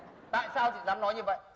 tại sao chị dám nói như vậy